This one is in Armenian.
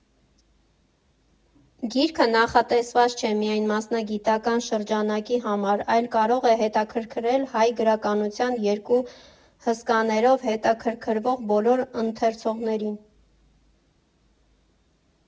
Գիրքը նախատեսված չէ միայն մասնագիտական շրջանակի համար, այլ կարող է հետաքրքրել հայ գրականության երկու հսկաներով հետաքրքրվող բոլոր ընթերցողներին։